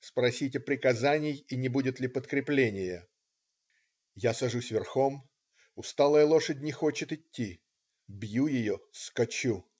Спросите приказаний и не будет ли подкреплений. " Я сажусь верхом. Усталая лошадь не хочет идти. Бью ее, скачу.